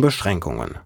Beschränkungen.